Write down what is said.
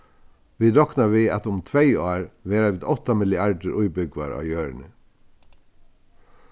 vit rokna við at um tvey ár verða vit átta milliardir íbúgvar á jørðini